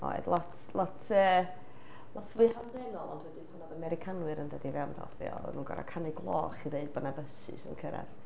Oedd lot lot yy lot fwy hamddenol, ond wedyn pan oedd Americanwyr yn dod i fewn oeddan nhw'n gorod canu cloch i ddeud bod 'na fysys yn cyrraedd.